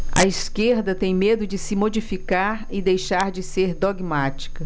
a esquerda tem medo de se modificar e deixar de ser dogmática